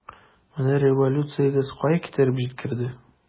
Менә революциягез кая китереп җиткерде!